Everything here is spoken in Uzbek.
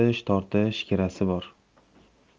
ortish tortish kirasi bor